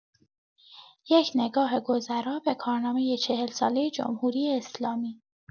یک نگاه گذرا به کارنامه ۴۰ ساله جمهوری‌اسلامی